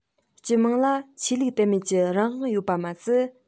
སྤྱི དམངས ལ ཆོས ལུགས དད མོས ཀྱི རང དབང ཡོད པ མ ཟད